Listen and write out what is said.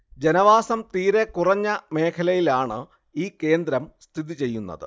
ജനവാസം തീരെക്കുറഞ്ഞ മേഖലയിലാണ് ഈ കേന്ദ്രം സ്ഥിതി ചെയ്യുന്നത്